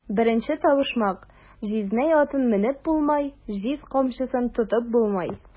Беренче табышмак: "Җизнәй атын менеп булмай, җиз камчысын тотып булмай!"